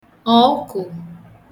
ọ̀ọkụ̀